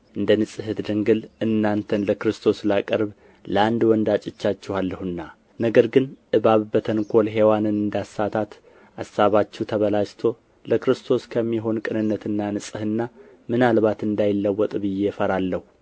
እንደ ንጽሕት ድንግል እናንተን ለክርስቶስ ላቀርብ ለአንድ ወንድ አጭቻችኋለሁና ነገር ግን እባብ በተንኮሉ ሔዋንን እንዳሳታት አሳባችሁ ተበላሽቶ ለክርስቶስ ከሚሆን ቅንነትና ንጽሕና ምናልባት እንዳይለወጥ ብዬ እፈራለሁ